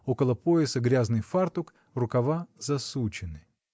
Около пояса грязный фартук, рукава засучены.